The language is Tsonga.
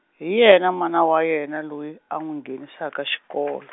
hi yena mana wa yena loyi, a n'wi nghenisaka xikolo.